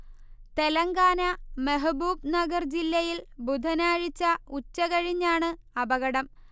തെലങ്കാന മെഹ്ബൂബ് നഗർ ജില്ലയിൽ ബുധനാഴ്ച ഉച്ചകഴിഞ്ഞാണ് അപകടം